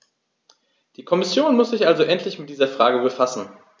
Die Kommission muss sich also endlich mit dieser Frage befassen.